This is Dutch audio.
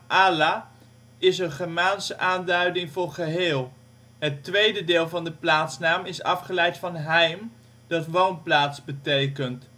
ala, is een Germaanse aanduiding voor geheel. Het tweede deel van de plaatsnaam is afgeleid van ' heim ', dat woonplaats betekent